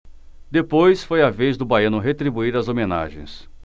depois foi a vez do baiano retribuir as homenagens